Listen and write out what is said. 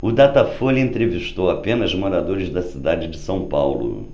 o datafolha entrevistou apenas moradores da cidade de são paulo